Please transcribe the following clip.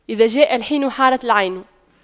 إذا جاء الحين حارت العين